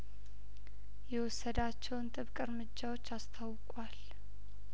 የወሰዳቸውን ጥብቅ እርምጃዎች አስታውቋል